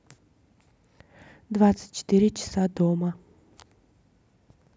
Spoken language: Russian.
двадцать четыре часа дома